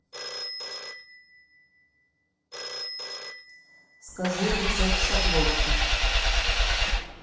скажи рецепт шарлотки